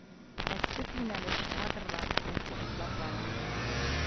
Ә төп юнәлеш кадрлар, уку әсбаплары